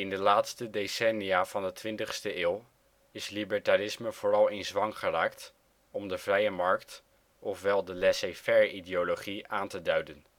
de laatste decennia van de twintigste eeuw is libertarisme vooral in zwang geraakt (Murray Rothbard) om de vrije markt (Laissez-faire) ideologie aan te duiden